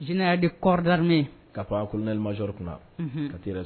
Général de corps d'armée ka pan colonel majeur kunna unhun ka t'i yɛrɛ